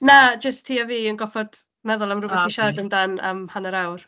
Na, jyst ti a fi yn gorfod meddwl am rywbeth... O ocê. ...i siarad amdan am hanner awr.